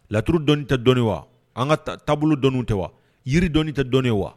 Laturu dɔni tɛ dɔn wa an ka taa taabolo dɔn tɛ wa yiri dɔni tɛ wa